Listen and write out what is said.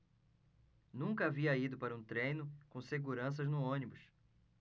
nunca havia ido para um treino com seguranças no ônibus